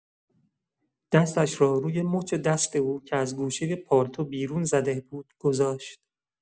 دستش را روی مچ دست او که از گوشه پالتو بیرون زده بود گذاشت.